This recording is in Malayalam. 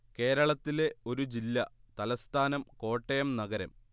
കേരളത്തിലെ ഒരു ജില്ല തലസ്ഥാനം കോട്ടയം നഗരം